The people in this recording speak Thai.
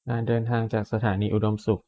การเดินทางจากสถานีอุดมสุข